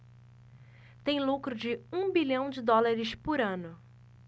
tem lucro de um bilhão de dólares por ano